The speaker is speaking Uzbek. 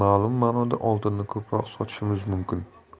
ma'lum ma'noda oltinni ko'proq sotishimiz mumkin